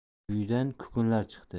uyidan kukunlar chiqdi